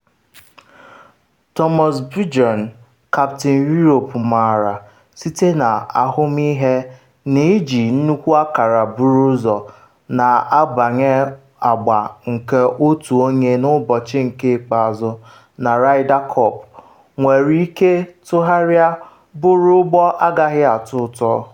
Thomas Bjorn, kaptịn Europe, maara site na ahụmihe na iji nnukwu akara buru ụzọ na-abanye agba nke otu onye n’ụbọchị nke ikpeazụ na Ryder Cup nwere ike tugharịa bụrụ ụgbọ agaghị atọ ụtọ.